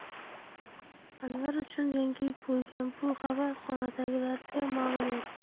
anvar uchun yangilik bo'lgan bu xabar xonadagilarga ma'lum edi